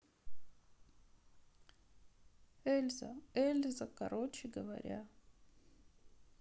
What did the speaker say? эльза эльза короче говоря